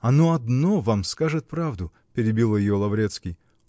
оно одно вам скажет правду, -- перебил ее Лаврецкий.